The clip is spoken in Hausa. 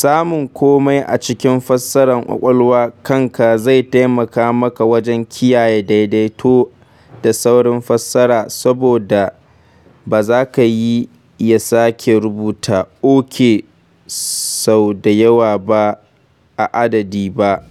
samun komai a cikin fassarar ƙwaƙwalwar kanka zai taimaka maka wajen kiyaye daidaito da saurin fassara, saboda ba zaka yi ya sake rubuta “OK” sau da yawa ba adadi ba.